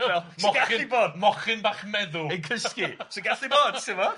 Fel sy... Mochyn! ...gallu bod. Mochyn bach meddw yn cysgu . Sy'n gallu bod, ti 'mod?